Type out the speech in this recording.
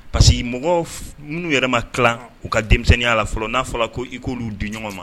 Parce que mɔgɔ minnu yɛrɛ ma kalan uu ka denmisɛnninya la fɔlɔ n'a fɔra ko i k'oluu di ɲɔgɔn ma